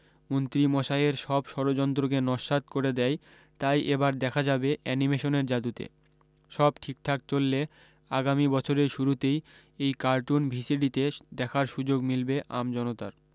মন্ত্রীমশাইয়ের সব ষড়যন্ত্রকে নস্যাত করে দেয় তাই এ বার দেখা যাবে অ্যানিমেশনের জাদুতে সব ঠিকঠাক চললে আগামী বছরের শুরুতেই এই কার্টুন ভিসিডিতে দেখার সু্যোগ মিলবে আমজনতার